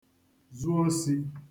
zu osi